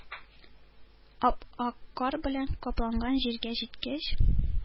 Ап-ак кар белән капланган җиргә җиткәч,